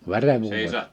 verenvuodon